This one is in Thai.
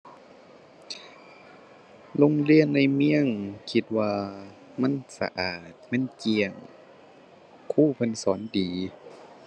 โรงเรียนในเมืองคิดว่ามันสะอาด มันเกลี้ยง ครูเพิ่นสอนดี